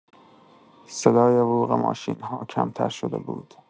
صدای بوق ماشین‌ها کمتر شده بود.